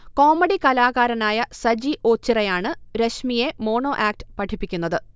comedy കലാകാരനായ സജി ഓച്ചിറയാണ് രശ്മിയെ മോണോ ആക്ട് പഠിപ്പിക്കുന്നത്